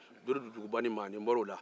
dodugubani maani bɔr'o la